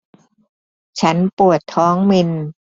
ฉันปวดท้องเมนส์